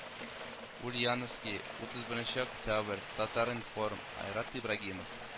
Ульяновски, утыз беренче октябрь, Татар-Информ , Айрат Ибраһим